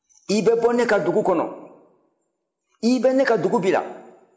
i bɛ bɔ ne ka dugu kɔnɔ i bɛ ne ka dugu bila